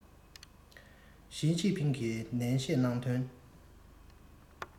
ཞིས ཅིན ཕིང གིས ནན བཤད གནང དོན